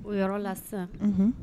O yɔrɔ la sisan unhun